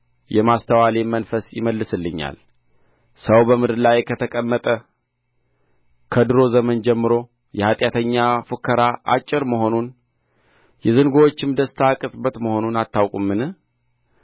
የማስተዋሌም መንፈስ ይመልስልኛል ሰው በምድር ላይ ከተቀመጠ ከዱሮ ዘመን ጀምሮ የኃጢአተኛ ፉከራ አጭር መሆኑን የዝንጉዎችም ደስታ ቅጽበት መሆኑን አታውቁምን